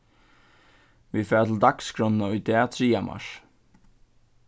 vit fara til dagsskránna í dag triðja mars